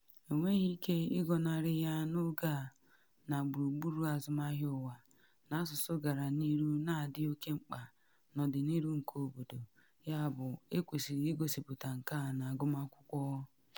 Enweghị ike ịgọnarị ya n’oge a, na gburugburu azụmahịa ụwa, na asụsụ gara n’ihu na adị oke mkpa n’ọdịnihu nke obodo, yabụ ekwesịrị igosipụta nke a n’agụmakwụkwọ.